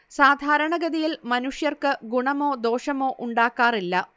സാധാരണഗതിയിൽ മനുഷ്യർക്ക് ഗുണമോ ദോഷമോ ഉണ്ടാക്കാറില്ല